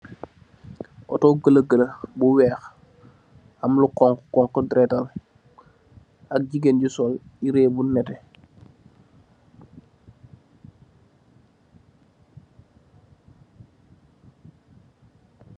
Ooto gelegele, bu weex am lu xonxu, xonxi deretal, ak jigeen ju sol yeere bu nete